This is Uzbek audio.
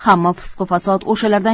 hamma fisq fasod o'shalardan